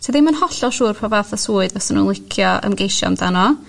ti ddim yn hollol siŵr pa fath o swydd fysan nw'n licio ymgeisio amdano